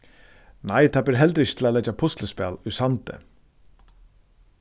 nei tað ber heldur ikki til at leggja puslispæl í sandi